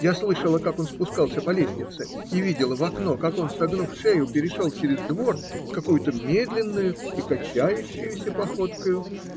Я слышала, как он спускался по лестнице, и видела в окно, как он, согнув шею, перешел через двор какою-то медленною и качающеюся походкою.